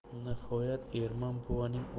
nihoyat ermon buvaning